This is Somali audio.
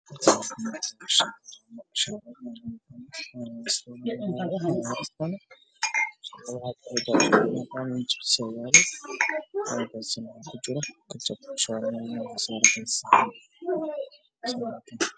Meeshan waxaa yaalo saxan cadaana way ku dhex jiraan cuno sida muufa iyo baradho